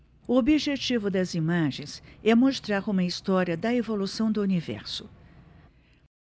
o objetivo das imagens é mostrar uma história da evolução do universo